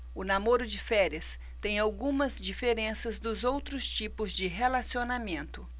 o namoro de férias tem algumas diferenças dos outros tipos de relacionamento